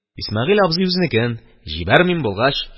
Исмәгыйль абзый үзенекен: «Җибәрмим булгач